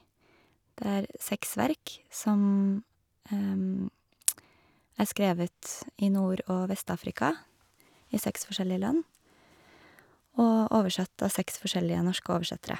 Det er seks verk som er skrevet i Nord- og Vest-Afrika i seks forskjellige land og oversatt av seks forskjellige norske oversettere.